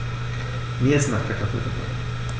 Mir ist nach Kartoffelsuppe.